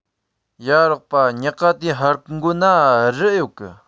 ཡ རོགས པ ཉག ག དེའི ཧར འགོ ན རུ ཨེ ཡོད